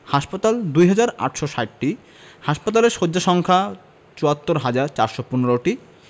হাসপাতাল ২হাজার ৮৬০টি হাসপাতালের শয্যা সংখ্যা ৭৪হাজার ৪১৫টি